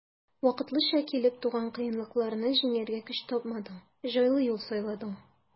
Вакытлыча килеп туган кыенлыкларны җиңәргә көч тапмадың, җайлы юл сайладың.